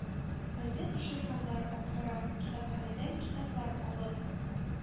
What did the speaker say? Газета-журналлар актара, китапханәдән китаплар алып